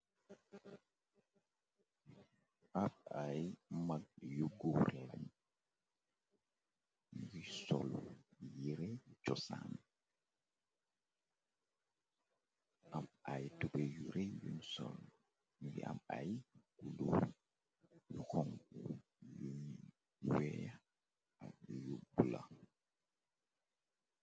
Ab ay mag yu guur lañ ngi solu yire co saami am ay tube yure yuñ sol ngi am ay gu duur yu xong yuni weea ak yu bula.